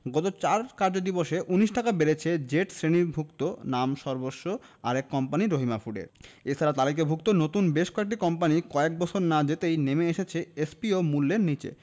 গত ৪ কার্যদিবসে ১৯ টাকা বেড়েছে জেড শ্রেণিভুক্ত নামসর্বস্ব আরেক কোম্পানি রহিমা ফুডের এ ছাড়া তালিকাভুক্ত নতুন বেশ কয়েকটি কোম্পানি কয়েক বছর না যেতেই নেমে এসেছে আইপিও মূল্যের নিচে